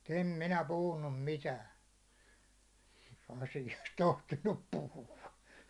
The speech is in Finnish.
mutta en minä puhunut mitään asiasta tohtinut puhua